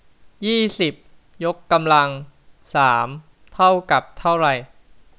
ยี่สิบยกกำลังสามเท่ากับเท่าไร